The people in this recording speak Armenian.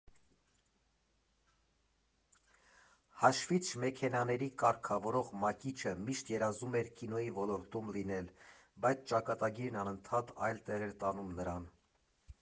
Հաշվիչ֊մեքենաների կարգավորող Մակիչը միշտ երազում էր կինոյի ոլորտում լինել, բայց ճակատագիրն անընդհատ այլ տեղ էր տանում նրան։